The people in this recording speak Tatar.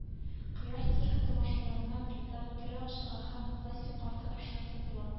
Кояш циркы тамашаларына билетлар “тере” акчага һәм пластик карта аша сатыла